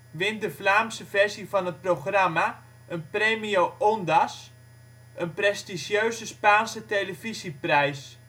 wint de Vlaamse versie van het programma een Premio Ondas, een prestigieuze Spaanse televisieprijs